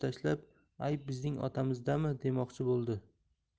tashlab ayb bizning otamizdami demoqchi bo'ldi